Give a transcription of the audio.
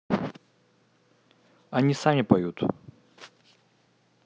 они сами поют